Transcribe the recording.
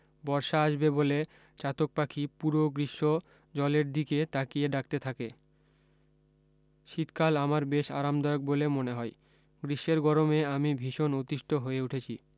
বর্ষা আসবে বলে চাতক পাখি পুরো গৃীষ্ম জলের দিকে তাকিয়ে ডাকতে থাকে শীত কাল আমার বেশ আরামদায়ক বলে মনে হয় গৃীষ্মের গরমে আমি ভীষণ অতীস্ট হয়ে উঠেছি